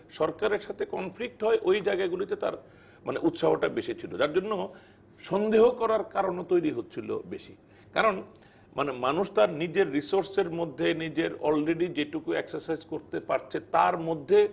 সরকারের সাথে কনফ্লিক্ট হয় ওই জায়গা গুলিতে তার উৎসাহটা বেশি ছিল যার জন্য সন্দেহ করার কারন ও তৈরি হচ্ছিল বেশি কারণ মানে মানুষ তার নিজের রিসোর্স এর মধ্যে নিজের অলরেডি যেটুকু এক্সারসাইজ করতে পারছে তার মধ্যে